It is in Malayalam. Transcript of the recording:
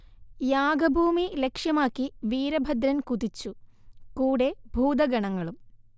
യാഗഭൂമി ലക്ഷ്യമാക്കി വീരഭദ്രൻ കുതിച്ചു കൂടെ ഭൂതഗണങ്ങളും